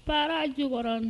Paarajikɔrɔni